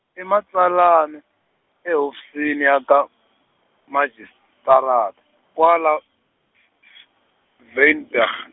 imatsalani, ehofisini ya ka, majisitarata kwala , Wynberg.